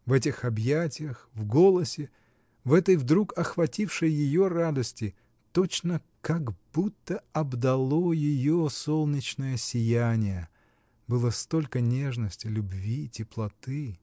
В этих объятиях, в голосе, в этой вдруг охватившей ее радости — точно как будто обдало ее солнечное сияние — было столько нежности, любви, теплоты!